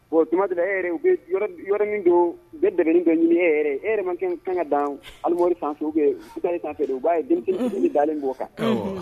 Bon tuma tigɛ u yɔrɔ min don n bɛ dɛ kɛ ɲini e yɛrɛ e kɛ kan ka dan ali fan bɛ u b'a ye denmisɛn dalen bo kan